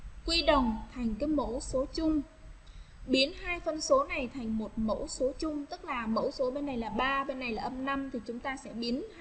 quy đồng mẫu số chung biến hai phân số này thành một mẫu số chung tức là mẫu số này là vân này là thì chúng ta sẽ biến